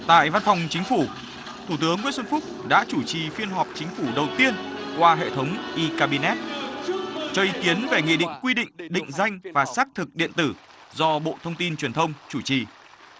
tại văn phòng chính phủ thủ tướng nguyễn xuân phúc đã chủ trì phiên họp chính phủ đầu tiên qua hệ thống i ca bê nét cho ý kiến về nghị định quy định định danh và xác thực điện tử do bộ thông tin truyền thông chủ trì